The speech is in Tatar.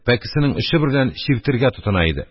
Пәкесенең очы берлән чиртергә тотына иде.